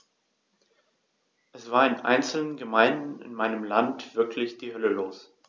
Es war in einzelnen Gemeinden in meinem Land wirklich die Hölle los.